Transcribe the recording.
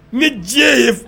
N diɲɛ ye